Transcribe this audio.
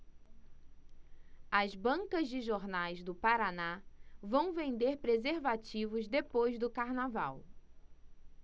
as bancas de jornais do paraná vão vender preservativos depois do carnaval